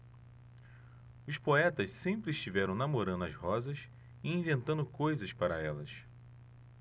os poetas sempre estiveram namorando as rosas e inventando coisas para elas